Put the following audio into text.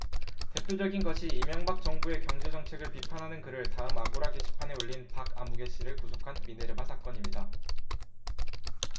대표적인 것이 이명박 정부의 경제정책을 비판하는 글을 다음 아고라 게시판에 올린 박아무개씨를 구속한 미네르바 사건입니다